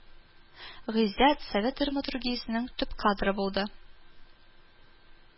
Гыйззәт совет драматургиясенең төп кадры булды